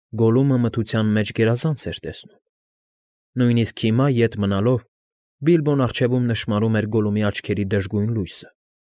Գոլլումը մթության մեջ գերազանց էր տեսնում։ Նույնիսկ հիմա, ետ մնալով, Բիլբոն առջևում նշմարում էր Գոլլումի աչքերի դժգույն լույսը։